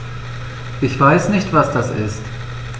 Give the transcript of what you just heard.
Ich weiß nicht, was das ist.